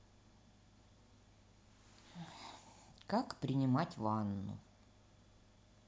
как принимать ванну